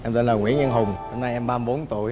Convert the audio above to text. em tên là nguyễn nhân hùng năm nay em ba mươi bốn tuổi